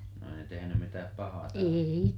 no ei ne tehnyt mitään pahaa täällä